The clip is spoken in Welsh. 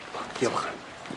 Diolch.